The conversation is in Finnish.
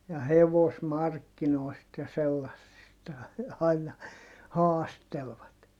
ja hevosmarkkinoista ja sellaisista aina haastelivat